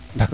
d' accord